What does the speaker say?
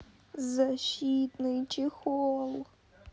защитный чехол